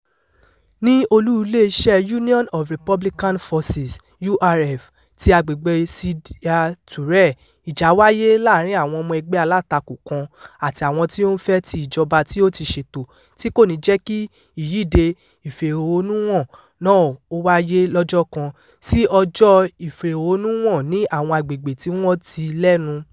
...ní olú iléeṣẹ́ Union of Republican Forces (URF) tí agbègbè Sidya Touré, ìjá wáyé láàárín àwọn ọmọ ẹgbẹ́ alátakò kan àti àwọn tí ó ń fẹ́ ti ìjọba tí ó ti ṣètò tí kò ní jẹ́ kí ìyíde ìfẹ̀hónúhàn náà ó wáyé lọ́jọ́ kan sí ọjọ́ ìfẹ̀hónúhàn ní àwọn agbègbè tí wọ́n ti lẹ́nu.